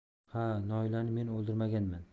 ha noilani men o'ldirmaganman